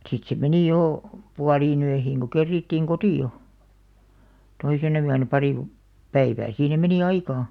sitten se meni jo puoleen yöhön kun kerittiin kotiin toisena yönä pari kolme päivää siihen meni aikaa